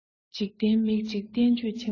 འཇིག རྟེན མིག གཅིག བསྟན བཅོས ཆེན པོ འདི